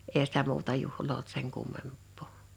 eihän sitä muuta juhlaa ollut sen kummempaa